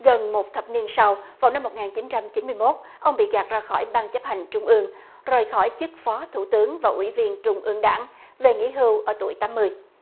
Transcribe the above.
gần một thập niên sau vào năm một ngàn chín trăm chín mươi mốt ông bị gạt ra khỏi ban chấp hành trung ương rời khỏi chức phó thủ tướng và ủy viên trung ương đảng về nghỉ hưu ở tuổi tám mươi